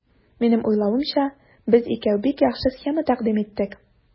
Минем уйлавымча, без икәү бик яхшы схема тәкъдим иттек.